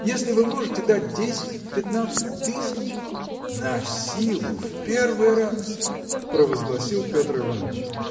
Если вы можете дать десять, пятнадцать тысяч. – Насилу, в первый раз! – провозгласил Петр Иваныч.